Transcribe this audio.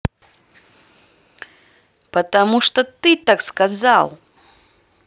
потому что ты так сказал